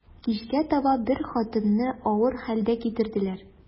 Кичкә таба бер хатынны авыр хәлдә китерделәр.